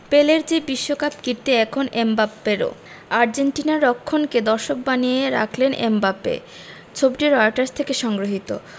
পেলের যে বিশ্বকাপ কীর্তি এখন এমবাপ্পেরও আর্জেন্টিনার রক্ষণকে দর্শক বানিয়ে রাখলেন এমবাপ্পে ছবিটি রয়টার্স থেকে সংগৃহীত